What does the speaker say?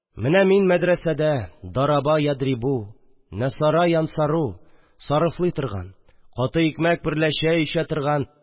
Менә мин – мәдрәсәдә дараба ядрибу, нәсара янсару сарыфлый торган, каты икмәк берлә чәй эчә торган